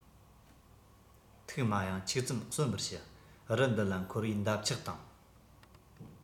ཐུགས མ གཡེང ཁྱུག ཙམ གསོན པར ཞུ རི འདི ལ འཁོར བའི འདབ ཆགས དང